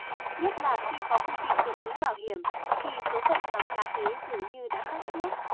nhất là khi có quy định đội mũ bảo hiểm thì số phận nón lá huế dường như đã khác trước